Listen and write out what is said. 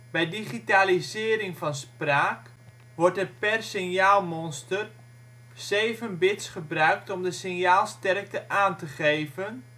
Bij digitalisering van spraak (zie ADC) worden er per signaalmonster 7 bits gebruikt om de signaalsterkte aan te geven